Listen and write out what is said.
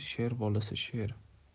sher bolasi sher